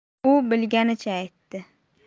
u bilganicha aytdi